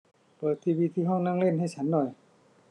เปิดทีวีที่ห้องนั่งเล่นให้ฉันหน่อย